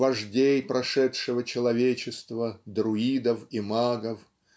вождей прошедшего человечества друидов и магов